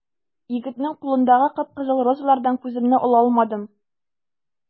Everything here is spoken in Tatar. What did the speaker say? Егетнең кулындагы кып-кызыл розалардан күземне ала алмадым.